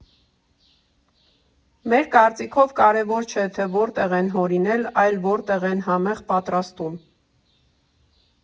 Մեր կարծիքով կարևոր չէ, թե որտեղ են հորինել, այլ որտեղ են համեղ պատրաստում։